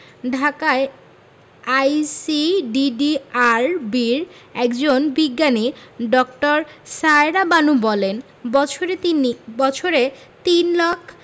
ঢাকায় আইসিডিডিআরবির একজন বিজ্ঞানী ড. সায়েরা বানু বলেন বছরে তিনি বছরে তিন লাখ